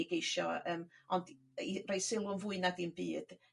i geisio yym... Ond i roi sylw'n fwy nag 'im byd